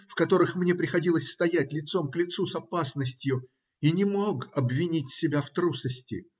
в которых мне приходилось стоять лицом к лицу с опасностью, и не мог обвинить себя в трусости.